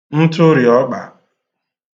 ntụrị̀ọkpà